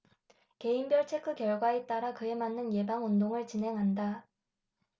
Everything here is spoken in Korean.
개인별 체크 결과에 따라 그에 맞는 예방 운동을 진행한다